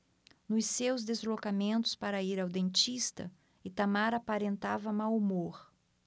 nos seus deslocamentos para ir ao dentista itamar aparentava mau humor